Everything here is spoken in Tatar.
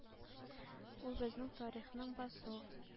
Ул безнең тарихның басу